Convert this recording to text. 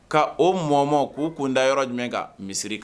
Ka o mɔma k'o kun da yɔrɔ jumɛn ka misisiriri kan